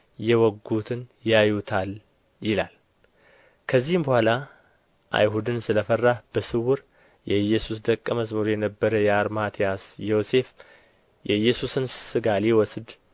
የወጉትን ያዩታል ይላል ከዚህም በኋላ አይሁድን ስለ ፈራ በስውር የኢየሱስ ደቀ መዝሙር የነበረ የአርማትያስ ዮሴፍ የኢየሱስን ሥጋ ሊወስድ